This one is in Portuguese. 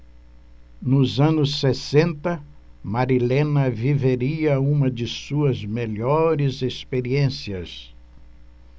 nos anos sessenta marilena viveria uma de suas melhores experiências